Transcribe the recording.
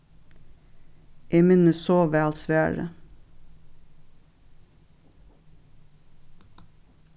eg minnist so væl svarið